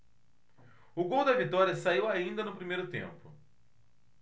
o gol da vitória saiu ainda no primeiro tempo